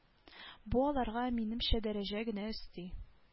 Бу аларга минемчә дәрәҗә генә өсти